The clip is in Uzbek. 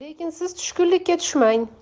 lekin siz tushkunlikka tushmang